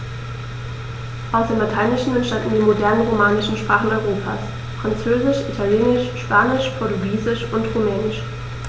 Aus dem Lateinischen entstanden die modernen „romanischen“ Sprachen Europas: Französisch, Italienisch, Spanisch, Portugiesisch und Rumänisch.